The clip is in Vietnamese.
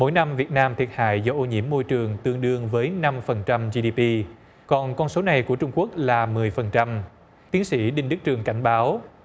mỗi năm việt nam thiệt hại do ô nhiễm môi trường tương đương với năm phần trăm di đi bi còn con số này của trung quốc là mười phần trăm tiến sĩ đinh đức trường cảnh báo